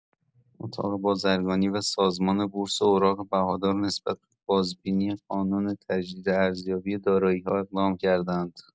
اتاق بازرگانی و سازمان بورس اوراق بهادار نسبت به بازبینی قانون تجدید ارزیابی دارایی‌ها اقدام کرده‌اند.